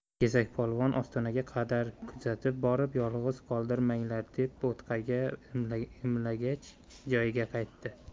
kesakpolvon ostonaga qadar kuzatib borib yolg'iz qoldirmanglar deb bo'tqaga imlagach joyiga qaytdi